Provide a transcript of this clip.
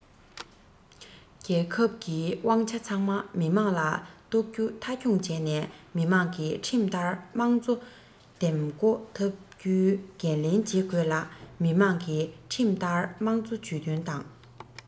རྒྱལ ཁབ ཀྱི དབང ཆ ཚང མ མི དམངས ལ གཏོགས རྒྱུ མཐའ འཁྱོངས བྱས ནས མི དམངས ཀྱིས ཁྲིམས ལྟར དམངས གཙོ འདེམས བསྐོ ཐུབ རྒྱུའི འགན ལེན བྱེད དགོས ལ མི དམངས ཀྱིས ཁྲིམས ལྟར དམངས གཙོ ཇུས འདོན དང